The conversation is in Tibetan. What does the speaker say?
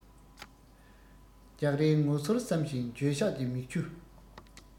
རྒྱག རེས ངོ གསོར བསམ ཞིང འགྱོད ཤགས ཀྱི མིག ཆུ